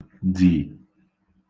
dì